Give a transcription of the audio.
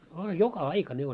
a joka aika ne oli